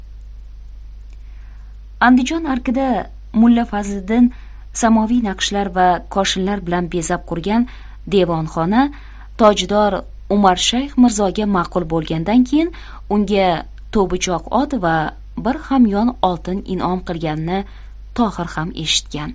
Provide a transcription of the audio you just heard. andijon arkida mulla fazliddin samoviy naqshlar va koshinlar bilan bezab qurgan devonxona tojdor umarshayx mirzoga maqul bo'lgandan keyin unga to'bichoq ot va bir hamyon oltin inom qilganini tohir ham eshitgan